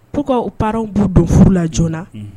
Ko panrraww b'u don furu la joona